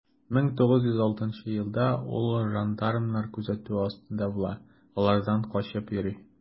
1906 елда ул жандармнар күзәтүе астында була, алардан качып йөри.